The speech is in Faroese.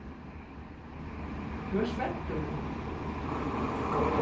tú ert spentur nú